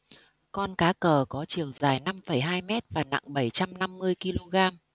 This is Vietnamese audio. con cá cờ có chiều dài năm phẩy hai mét và nặng bảy trăm năm mươi ki lô gam